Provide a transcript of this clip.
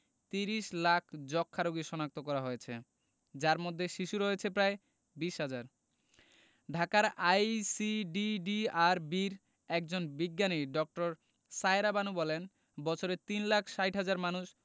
৩০ লাখ যক্ষ্মা রোগী শনাক্ত করা হয়েছে যার মধ্যে শিশু রয়েছে প্রায় ২০ হাজার ঢাকায় আইসিডিডিআরবির একজন বিজ্ঞানী ড. সায়েরা বানু বলেন বছরে তিন লাখ ৬০ হাজার মানুষ